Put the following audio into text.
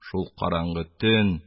Шул караңгы төн,